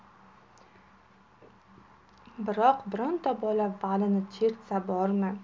biroq bironta bola valini chertsa bormi